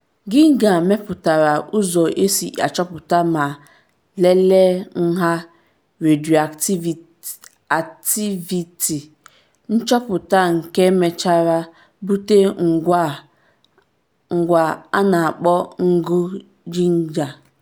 Geiger mepụtara ụzọ esi achọpụta ma lelee nha redioaktiviti, nchọpụta nke mechara bute ngwa a na-akpọ Ngụ Geiger.